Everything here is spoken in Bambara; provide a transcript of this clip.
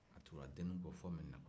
a tugura deni kɔ fo mɛdinakura